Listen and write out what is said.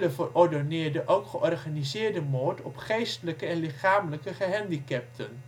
verordonneerde ook georganiseerde moord op geestelijke en lichamelijke gehandicapten